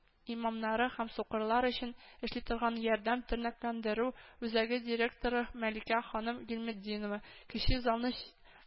Имамнары һәм сукырлар өчен эшли торган “ярдәм” тернәкләндерү үзәге директоры мәликә ханым гыйльметдинова, кече залны